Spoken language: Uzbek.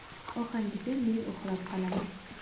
ohangiga men uxlab qolaman